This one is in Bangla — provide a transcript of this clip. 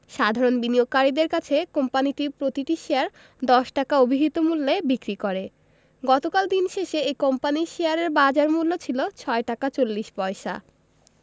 সাধারণ বিনিয়োগকারীদের কাছে কোম্পানিটি প্রতিটি শেয়ার ১০ টাকা অভিহিত মূল্যে বিক্রি করে গতকাল দিন শেষে এ কোম্পানির শেয়ারের বাজারমূল্য ছিল ৬ টাকা ৪০ পয়সা